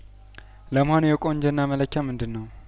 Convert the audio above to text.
ለመሆኑ የቁንጅና መለኪያምንድነው